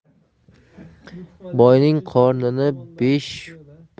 boyning qorni besh